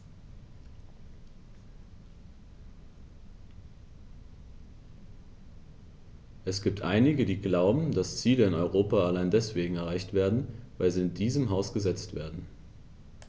Es gibt einige, die glauben, dass Ziele in Europa allein deswegen erreicht werden, weil sie in diesem Haus gesetzt werden.